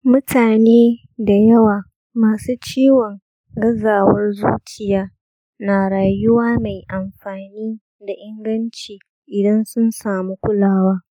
mutane dayawa masu ciwon gazawar zuciya na rayuwa mai amfani da inganci idan sun samu kulawa